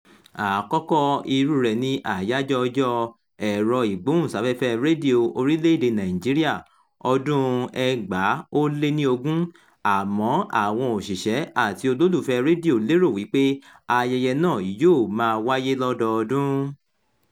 Àkọ́kọ́ irú ẹ̀ ni Àyájọ́ Ọjọ́ Ẹ̀rọ-ìgbóhùnsáfẹ́fẹ́ Rédíò Orílẹ̀-èdèe Nàìjíríà ọdún-un 2020 àmọ́ àwọn òṣìṣẹ́ àti olólùfẹ́ẹ̀ rédíò lérò wípé ayẹyẹ náà yóò máa wáyé lọ́dọọdún.